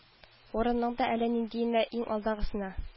Урынның да әле ниндиенә иң алдагысына